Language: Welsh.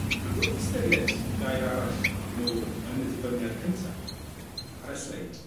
Ac wrth ystyried gair arall mowr yn y dyfyniad cynta' ar y sleid